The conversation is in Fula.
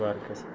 hibaar keso